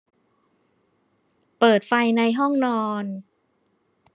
เปิดไฟในห้องนอน